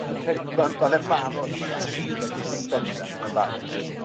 dwi'n credu ma' ma' fe'n barod am y ras fi'n credu 'n bendant ma'n barod.